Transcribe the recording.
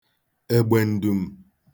ègbèǹdùm̀